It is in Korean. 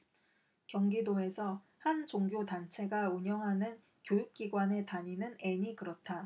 경기도에서 한 종교단체가 운영하는 교육기관에 다니는 앤이 그렇다